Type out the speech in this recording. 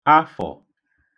afọ̀